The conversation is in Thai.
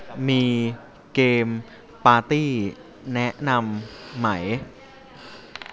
มีเกมปาตี้แนะนำไหม